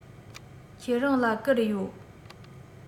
ཁྱེད རང ལ བསྐུར ཡོད